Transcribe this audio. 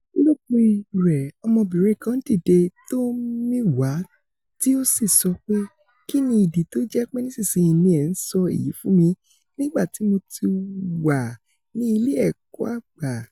'Lópin rẹ̀ ọmọbìnrin kan dìde tọ̀ mi wá tí ó sì sọ pé: 'Kínni ìdí tó jẹ́pé nísinsìnyí ni ẹ̀ ń sọ èyí fún mi, nígbà tí mó ti wà ilé ẹ́kọ̀o àgbà?'